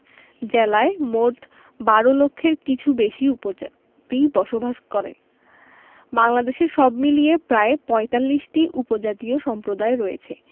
জেলায় মোট ১২ লক্ষের কিছু বেশি উপজাতি বসবাস করে বাংলাদেশে সব মিলিয়ে প্রায় ৪৫টি উপজাতীয় সম্প্রদায় রয়েছে